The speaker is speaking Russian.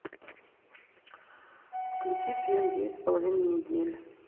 включи фильм девять с половиной недель